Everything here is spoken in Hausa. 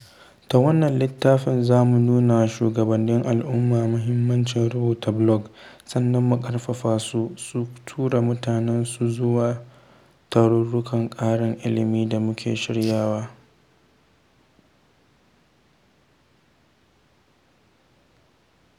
Ta wannan littafin, za mu nunawa shugabannin al’umma muhimmancin rubuta blog, sannan mu ƙarfafa su, su tura mutanan su zuwa tarurrukan ƙarin ilimi da muke shiryawa.